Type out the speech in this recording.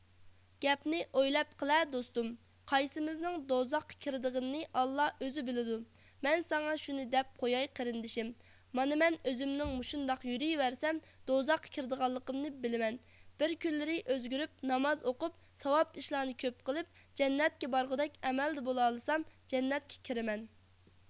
گەپنى ئويلاپ قىلە دوستۇم قايسىمىزنىڭ دوزاخقا كىردىغىنىنى ئاللا ئۆزى بىلدۇ مەن ساڭا شۇنى دەپ قوياي قېرىندىشىم مانا مەن ئۆزەمنىڭ مۇشۇنداق يۇرىۋەرسەم دوزاخقا كىردىغانلىقىمنى بىلىمەن بىر كۈنلىرى ئۆزگۈرۈپ ناماز ئوقۇپ ساۋاب ئىشلارنى كۆپ قىلىپ جەننەتكە بارغۇدەك ئەمەلدە بولالىسام جەننەتكە كىرىمەن